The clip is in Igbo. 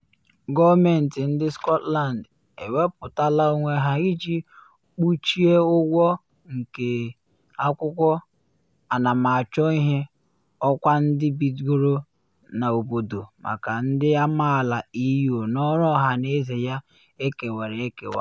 Gọọmentị ndị Scotland ewepụtala onwe ha iji kpuchie ụgwọ nke akwụkwọ anamachọihe ọkwa ndị bigoro n’obodo maka ndị amaala EU n’ọrụ ọhaneze ya ekewara ekewa.